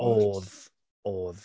Oedd oedd.